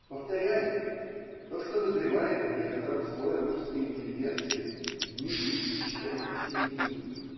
Повторяю – то, что назревает в некотором слое русской интеллигенции, не есть еще антисемитизм.